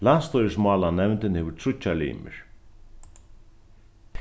landsstýrismálanevndin hevur tríggjar limir